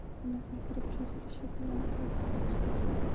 xonasiga kirib cho'zilishi bilan uyqu qochdi